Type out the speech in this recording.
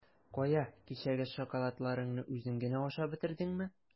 Кая, кичәге шоколадларыңны үзең генә ашап бетердеңме?